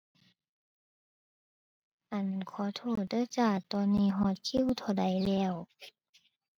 อั่น ขอโทษเด้อจ้า ตอนนี้ฮอดคิวเท่าใดแล้ว